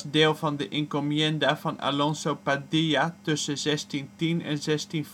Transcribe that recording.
deel van de encomienda van Alonsa Padilla tussen 1610 en 1640. In 1776